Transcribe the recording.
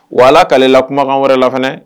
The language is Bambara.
Wala k'ale la kumakan wɛrɛ la fana